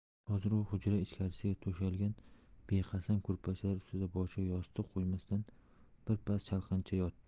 hozir u hujra ichkarisiga to'shalgan beqasam ko'rpachalar ustida boshiga yostiq qo'ymasdan birpas chalqancha yotdi